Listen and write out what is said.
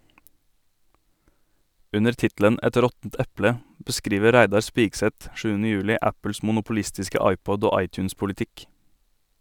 Under tittelen "Et råttent eple" beskriver Reidar Spigseth sjuende juli Apples monopolistiske iPod- og iTunes-politikk.